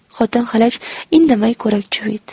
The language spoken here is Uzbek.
xotin xalaj indamay ko'rak chuviydi